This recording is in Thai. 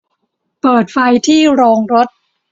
เปิดไฟที่โรงรถ